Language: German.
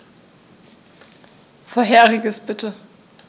Vorheriges bitte.